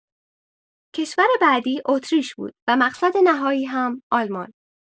کشور بعدی اتریش بود و مقصد نهایی هم آلمان.